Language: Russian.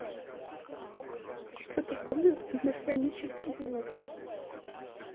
что такое монофонический звук